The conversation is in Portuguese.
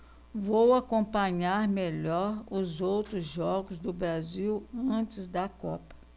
vou acompanhar melhor os outros jogos do brasil antes da copa